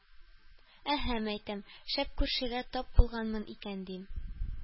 Әһә, мәйтәм, шәп күршегә тап булганмын икән, дим.